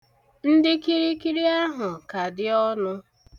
Ndị kịrịkịrị ahụ ka dị ọnụ.